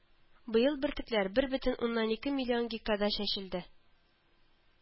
Быел бөртеклеләр бер бөтен уннан ике миллион гектарда чәчелде